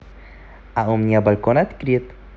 а у меня балкон открыт